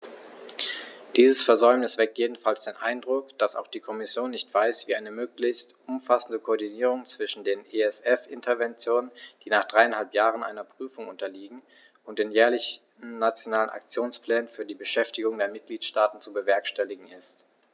Dieses Versäumnis weckt jedenfalls den Eindruck, dass auch die Kommission nicht weiß, wie eine möglichst umfassende Koordinierung zwischen den ESF-Interventionen, die nach dreieinhalb Jahren einer Prüfung unterliegen, und den jährlichen Nationalen Aktionsplänen für die Beschäftigung der Mitgliedstaaten zu bewerkstelligen ist.